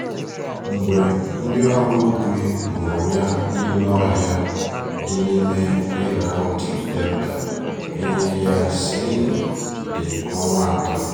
Mgbe ndịọrụ ubi hụrụ ya n'ime ọhịa dị n'ime Irrawaddy Delta, Ayeyar Sein dị ọnwa atọ.